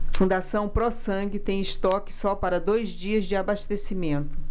fundação pró sangue tem estoque só para dois dias de abastecimento